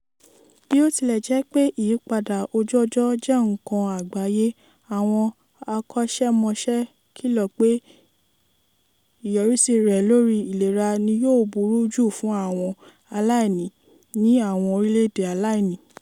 Bí ó tilẹ̀ jẹ́ pé ìyípadà ojú ọjọ́ jẹ́ nǹkan àgbáyé, awọn akọ́ṣẹ́mọṣẹ́ kìlọ̀ pé ìyọrísí rẹ̀ lórí ìlera ni yóò burú jù fún àwọn aláìní ní àwọn orílẹ́ èdè aláìní.